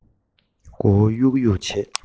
མགོ བོ གཡུག གཡུག བྱེད